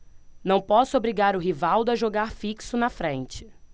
não posso obrigar o rivaldo a jogar fixo na frente